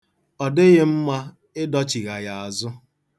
Ọ dịghị mma ịdọchigha ya azụ.